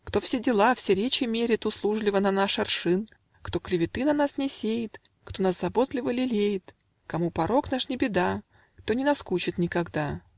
Кто все дела, все речи мерит Услужливо на наш аршин? Кто клеветы про нас не сеет? Кто нас заботливо лелеет? Кому порок наш не беда? Кто не наскучит никогда?